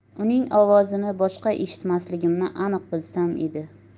uning ovozini boshqa eshitmasligimni aniq bilsam edi